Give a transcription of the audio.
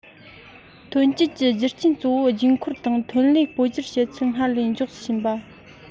ཐོན སྐྱེད ཀྱི རྒྱུ རྐྱེན གཙོ བོ རྒྱུན འཁོར དང ཐོན ལས སྤོ སྒྱུར བྱེད ཚུལ སྔར ལས མགྱོགས སུ ཕྱིན པ